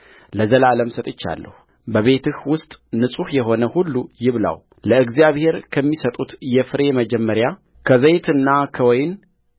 ለዘላለም ሰጥቼሃለሁ በቤትህ ውስጥ ንጹሕ የሆነ ሁሉ ይብላውለእግዚአብሔር ከሚሰጡት የፍሬ መጀመሪያ ከዘይትና ከወይን